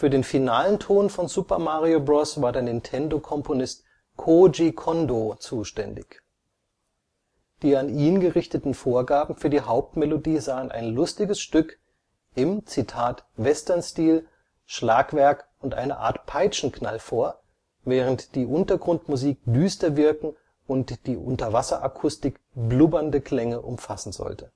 den finalen Ton von Super Mario Bros. war der Nintendo-Komponist Kōji Kondō zuständig. Die an ihn gerichteten Vorgaben für die Hauptmelodie sahen ein lustiges Stück „ im Western-Stil, Schlagwerk und eine Art Peitschenknall “vor, während die Untergrund-Musik düster wirken und die Unterwasser-Akustik „ blubbernde Klänge “umfassen sollte